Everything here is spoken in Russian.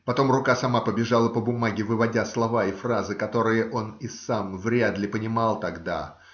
Потом рука сама побежала по бумаге, выводя слова и фразы, которые он и сам вряд ли понимал тогда.